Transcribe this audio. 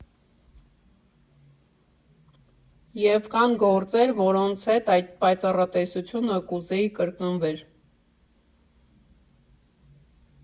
Եվ կան գործեր, որոնց հետ այդ պայծառատեսությունը կուզեի՝ կրկնվեր։